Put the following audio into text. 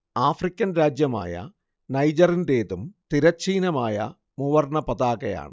African രാജ്യമായ നൈജറിന്റേതും തിരശ്ചീനമായ മൂവർണ്ണ പതാകയാണ്